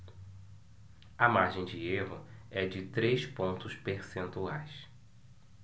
a margem de erro é de três pontos percentuais